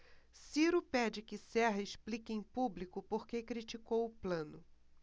ciro pede que serra explique em público por que criticou plano